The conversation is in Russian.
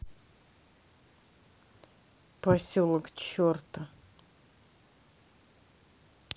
поселок черта